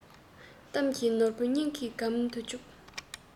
གཏམ གྱི ནོར བུ སྙིང གི སྒམ དུ བཅུག